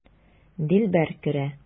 Дилбәр керә.